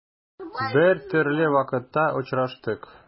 Без төрле вакытта очраштык.